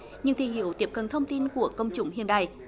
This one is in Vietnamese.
những thị hiếu tiếp cận thông tin của công chúng hiện đại